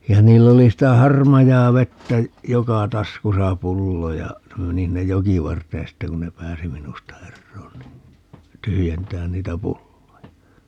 ja niillä oli sitä harmaavettä joka taskussa pullo ja ne meni sinne jokivarteen sitten kun ne pääsi minusta eroon niin tyhjentämään niitä pulloja